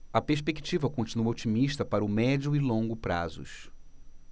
a perspectiva continua otimista para o médio e longo prazos